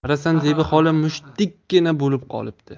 qarasam zebi xola mushtdekkina bo'lib qolibdi